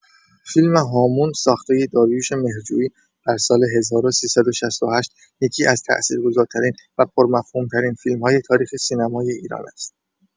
فیلم «هامون» ساختۀ داریوش مهرجویی در سال ۱۳۶۸، یکی‌از تأثیرگذارترین و پرمفهوم‌ترین فیلم‌های تاریخ سینمای ایران است.